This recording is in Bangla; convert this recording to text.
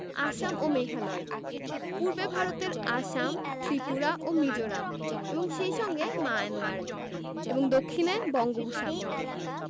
আসাম ও মেঘালয় পূর্বে ভারতের আসাম ত্রিপুরা ও মিজোরাম এবং সেই সঙ্গে মায়ানমার এবং দক্ষিণে বঙ্গোপসাগর